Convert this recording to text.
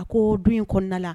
A ko don in kɔnɔnadala